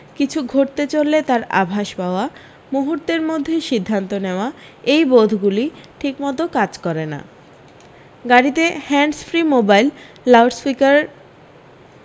কিছু ঘটতে চললে তার আভাস পাওয়া মুহূর্তের মধ্যে সিদ্ধান্ত নেওয়া এই বোধগুলি ঠিকমতো কাজ করে না গাড়িতে হ্যান্ডসফরি মোবাইল লাউডস্পিকার